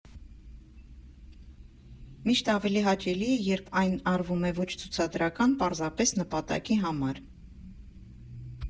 Միշտ ավելի հաճելի է, երբ այն արվում է ոչ ցուցադրական, պարզապես նպատակի համար։